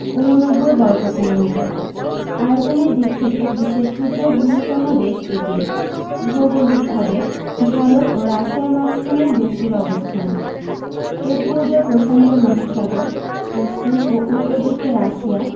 ৮৯ বর্গকিলোমিটার আয়তনের দিক থেকে বিশ্বের তৃতীয় বৃহত্তম দেশ এটি ভৌগলিকভাবে ভারত ও রাশিয়ার মাঝখানে দেশটির অবস্থান এর পূর্বে প্রশান্ত মহাসাগর পশ্চিম ও উত্তর দিকে রাশিয়া